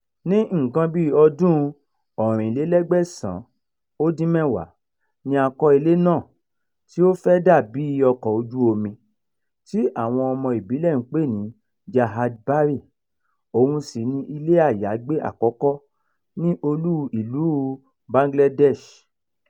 Ní nǹkan bíi ọdún-un 1870 ni a kọ́ ilé náà tí ó fẹ́ẹ́ dà bíi ọkọ̀ ojú-omi, tí àwọn ọmọ ìbílẹ̀ ń pè ní "Jahaj Bari", òun sì ni ilé àyágbé àkọ́kọ́ ni olú-ìlúu Bangladesh.